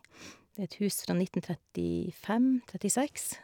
Det er et hus fra nitten trettifem trettiseks.